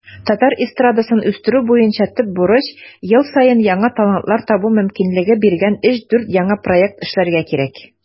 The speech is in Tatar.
Татар эстрадасын үстерү буенча төп бурыч - ел саен яңа талантлар табу мөмкинлеге биргән 3-4 яңа проект эшләргә кирәк.